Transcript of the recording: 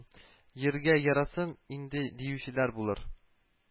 Йөрергә яратсын инде, диючеләр булыр